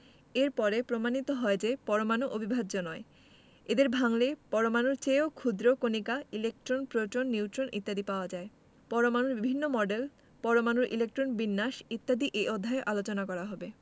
এর পরে প্রমাণিত হয় যে পরমাণু অবিভাজ্য নয় এদের ভাঙলে পরমাণুর চেয়েও ক্ষুদ্র কণিকা ইলেকট্রন প্রোটন নিউট্রন ইত্যাদি পাওয়া যায় পরমাণুর বিভিন্ন মডেল পরমাণুর ইলেকট্রন বিন্যাস ইত্যাদি এ অধ্যায়ে আলোচনা করা হবে